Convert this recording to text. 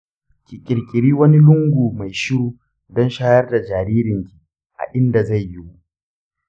ki kirkira wani lungu mai shiru don shayar da jaririnki a inda zai yiwu.